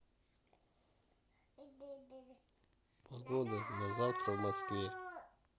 погода на завтра в москве